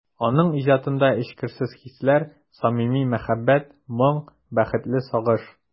Аның иҗатында эчкерсез хисләр, самими мәхәббәт, моң, бәхетле сагыш...